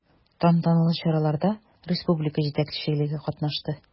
Тантаналы чараларда республика җитәкчелеге катнашты.